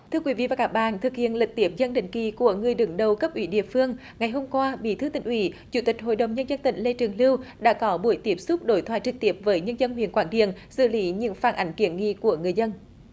thưa quý vị và các bạn thực hiện lịch tiếp dân định kỳ của người đứng đầu cấp ủy địa phương ngày hôm qua bí thư tỉnh ủy chủ tịch hội đồng nhân dân tỉnh lê trường lưu đã có buổi tiếp xúc đối thoại trực tiếp với nhân dân huyện quảng điền xử lý những phản ánh kiến nghị của người dân